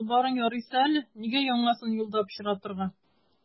Чалбарың ярыйсы әле, нигә яңасын юлда пычратырга.